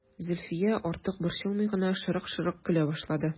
Зөлфия, артык борчылмый гына, шырык-шырык көлә башлады.